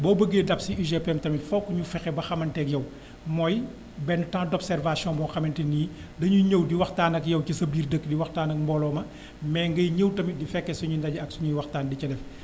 boo bëggee dab si UGPM tamit foog ñu fexe ba xamanteeg yow mooy benn temps d' observation boo xamante ni dañuy ñëw di waxtaan ak yow ci sa biir dëkk di waxtaan ak mbooloo ma mais ngay ñëw tamit di fekkee suñuy ndaje ak suñuy waxtaan di ca dem